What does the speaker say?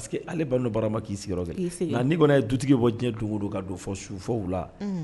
Parce que ale bara ma k'i sigiyɔrɔ'i kɔni ye dutigi bɔ diɲɛ don don ka don fɔ sufɔ la